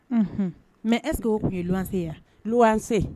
Hun mais est -ce que o tun ye luwanse y'a? luwanse!